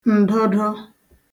ǹdụdụ